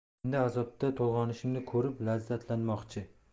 endi azobda to'lg'onishimni ko'rib lazzatlanmoqchi